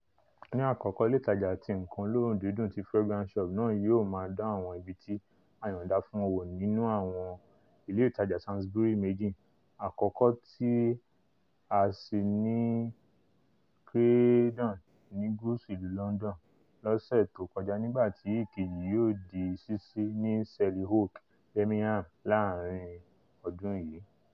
Ni àfikún, ilé ìtajà-ẹlẹ́yọ ti nǹkan olóòórùn-dídun ti Fragrance Shop náà yóò máa dán àwọn ibití a yọ̀ǹda fún wọn wò nínú àwọn ilé ìtajà Sainsbury's méjì, àkọ́kọ́ tí a sí ní Croydon, ní gúúsù ìlú Lọndọn, lọsẹ tó kọjá nígbà tí ikeji yo di sísí ní Selly Oak, Birmingham, láàrin ọ́dún yìí.